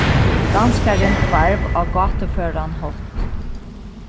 danskarin hvarv á gátuføran hátt